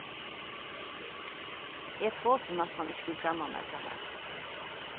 eg tosi næstan ikki við grannarnar hjá mær